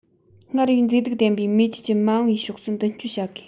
སྔར བས མཛེས སྡུག ལྡན པའི མེས རྒྱལ གྱི མ འོངས པའི ཕྱོགས སུ མདུན སྐྱོད བྱ དགོས